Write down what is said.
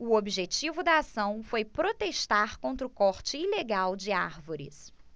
o objetivo da ação foi protestar contra o corte ilegal de árvores